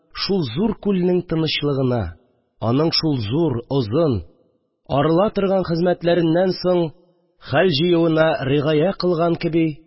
Шул зур күлнең тынычлыгына, аның шул зур, озын, арыла торган хезмәтләреннән со хәл җыюыны ригайә кылган кеби